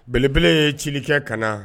Belebele ye cili kɛ ka na